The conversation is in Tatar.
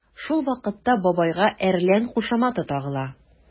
Шул вакытта бабайга “әрлән” кушаматы тагыла.